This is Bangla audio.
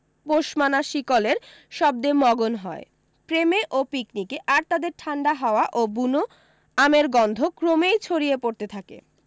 পোষমানা শিকলের শব্দে মগন হয় প্রেমে ও পিকনিকে আর তাদের ঠান্ডা হাওয়া ও বুনো আমের গন্ধ ক্রমেই ছড়িয়ে পড়তে থাকে